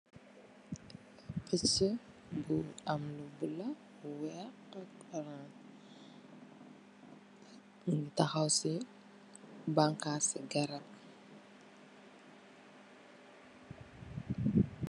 Piscxa bu am lu bulu weex ak orance mongi taxaw si banxas si garab bi.